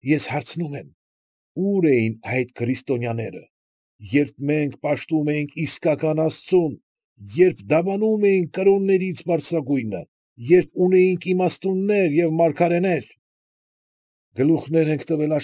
Ես հարցնում եմ. ո՞ւր էին այդ քրիստոնյաները, երբ մենք պաշտում էինք իսկական աստծուն, երբ դավանում էինք կրոններից բարձրագույնը, երբ ունեինք իմաստուններ և մարգարեներ… Գլուխներ ենք տվել։